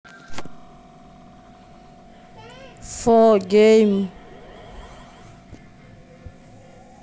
фо гейм